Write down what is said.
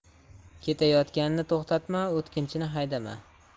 ketayotganni to'xtatma o'tkinchini haydama